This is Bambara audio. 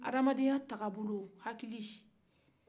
adamadenya taga bolo hakili